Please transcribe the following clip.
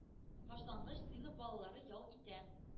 Башлангыч сыйныф балалары ял итә.